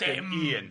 Dim un.